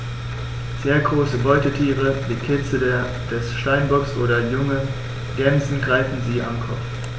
Sehr große Beutetiere wie Kitze des Steinbocks oder junge Gämsen greifen sie am Kopf.